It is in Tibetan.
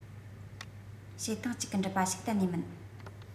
བྱེད ཐེངས གཅིག གིས འགྲུབ པ ཞིག གཏན ནས མིན